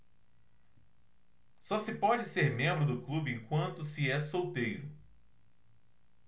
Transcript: só se pode ser membro do clube enquanto se é solteiro